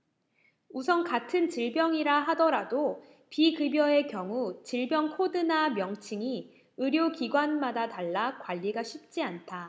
우선 같은 질병이라 하더라도 비급여의 경우 질병 코드나 명칭이 의료기관마다 달라 관리가 쉽지 않다